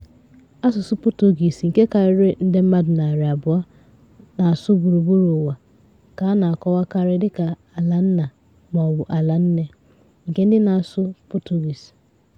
Asụsụ Portuguese, nke ihe karịrị nde mmadụ 200 na-asụ gburugburu ụwa, ka a na-akọwakarị dị ka "ala nna" maọbụ "ala nne" nke ndị na-asụ Portuguese.